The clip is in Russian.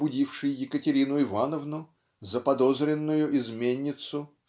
побудивший Екатерину Ивановну заподозренную изменницу